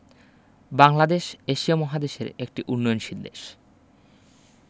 Bangladesh Asia মহাদেশের একটি উন্নয়নশীল দেশ